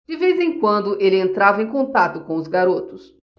de vez em quando ele entrava em contato com os garotos